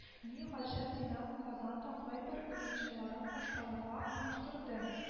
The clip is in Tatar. Ни гаҗәп, Динамо-Казан да кайбер уенчыларын башкаларга алмаштырды